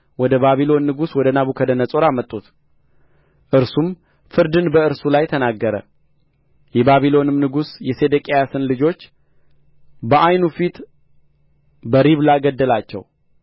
ወደ ባቢሎን ንጉሥ ወደ ናቡከደነፆር አመጡት እርሱም ፍርድን በእርሱ ላይ ተናገረ የባቢሎንም ንጉሥ የሴዴቅያስን ልጆች በዓይኑ ፊት በሪብላ ገደላቸው